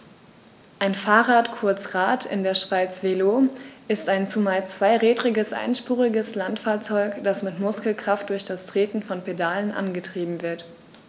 Ein Fahrrad, kurz Rad, in der Schweiz Velo, ist ein zumeist zweirädriges einspuriges Landfahrzeug, das mit Muskelkraft durch das Treten von Pedalen angetrieben wird.